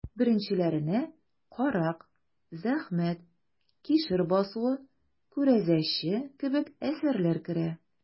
Беренчеләренә «Карак», «Зәхмәт», «Кишер басуы», «Күрәзәче» кебек әсәрләр керә.